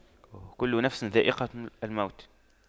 كُلُّ نَفسٍ ذَائِقَةُ المَوتِ